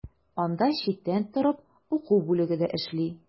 Анда читтән торып уку бүлеге дә эшли.